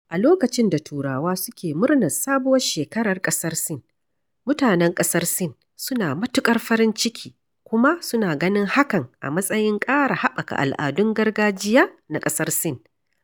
A lokacin da Turawa suke murnar Sabuwar Shekarar ƙasar Sin, mutanen ƙasar Sin suna matuƙar farin ciki kuma suna ganin hakan a matsayin ƙara haɓaka al'adun gargajiya na ƙasar Sin…